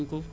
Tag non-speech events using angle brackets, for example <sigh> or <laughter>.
<hesitation> <hesitation>